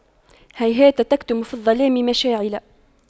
هيهات تكتم في الظلام مشاعل